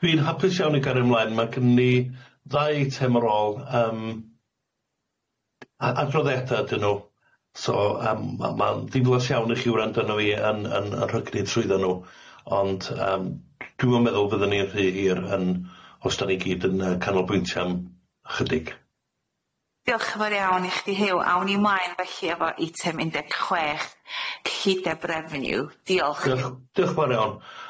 Dwi'n hapus iawn i gario mlaen ma' gynno ni ddau eitem ar ôl yym a- adroddiada ydyn nw so yym ma' ma'n ddiflas iawn i chi wrando arno fi yn yn yn rhagddi trwyddan nw ond yym dwi'm yn meddwl fyddan ni'n rhy hir yn os dan ni gyd yn yy canolbwyntio am ychydig. Diolch yn fawr iawn i chdi Huw awn ni mlaen felly efo eitem un deg chwech cyllideb revenue diolch. Diolch diolch yn fawr iawn.